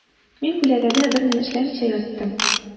Мин күләгәдә берни эшләмичә яттым.